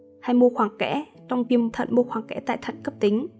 hay mô khoảng kẽ trong viêm thận mô khoảng kẽ tại thận cấptính